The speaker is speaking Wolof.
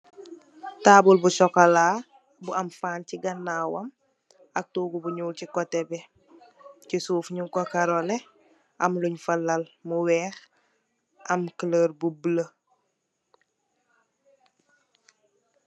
Taabul bu sokola, bu am fan si ganaawam, ak toogu bu nyuul si kote bi, ci suuf nyu ko karole, am lunj fa lal lu weex, am kuloor bu bula.